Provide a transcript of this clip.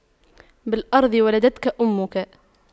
بالأرض ولدتك أمك